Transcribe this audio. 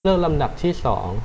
เลือกลำดับที่สอง